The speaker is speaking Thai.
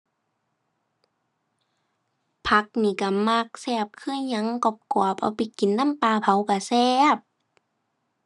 ผักนี่ก็มัก แซ่บคือหยัง กรอบกรอบ เอาไปกินนำปลาเผาก็แซ่บ